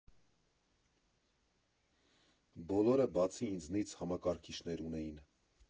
Բոլորը, բացի ինձնից, համակարգիչներ ունեին։